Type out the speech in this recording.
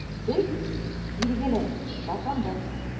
Без, билгеле, шатландык.